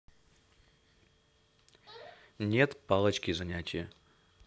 нет палочки занятия